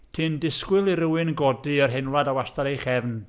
Ti'n disgwyl rhywun i godi, a'r hyn ar wastad ei chefn...